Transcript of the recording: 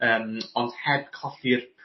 yym ond heb colli'r